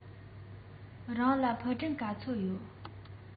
རང ལ ཕུ འདྲེན ག ཚོད ཡོད